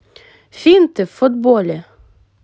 финты в футболе